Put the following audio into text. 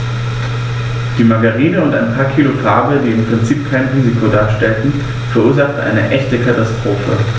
Die Margarine und ein paar Kilo Farbe, die im Prinzip kein Risiko darstellten, verursachten eine echte Katastrophe.